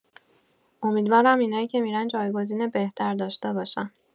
امیدوارم اینایی که می‌رن جایگزین بهتر داشته باشن